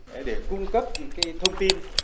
để cung cấp những cái thông tin